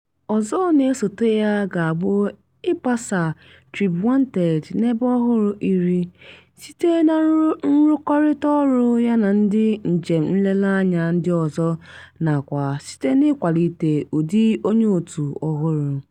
Ọzọ na-esote ya ga-abụ ịgbasa TribeWanted n'ebe ọhụrụ iri, site na nrụkọrịta ọrụ ya na ndị njem nlereanya ndị ọzọ nakwa site n'ịkwalite ụdị onyeòtù ọhụrụ.